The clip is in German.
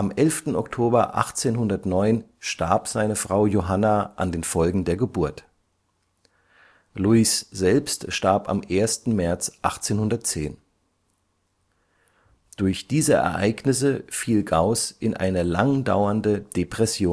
11. Oktober 1809 starb seine Frau Johanna an den Folgen der Geburt, Louis selbst starb am 1. März 1810. Durch diese Ereignisse fiel Gauß in eine lang dauernde Depression